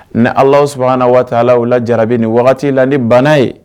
Ni ala sɔnna waatila u la jarabi ni wagati la ni banna ye